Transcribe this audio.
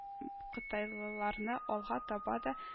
Кытайлыларның алга таба да